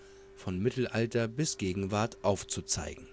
von Mittelalter bis Gegenwart aufzuzeigen